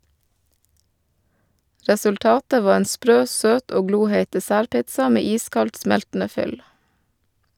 Resultatet var en sprø, søt og gloheit dessertpizza med iskaldt, smeltende fyll.